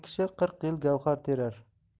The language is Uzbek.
kishi qirq yil gavhar terar